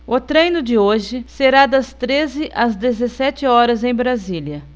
o treino de hoje será das treze às dezessete horas em brasília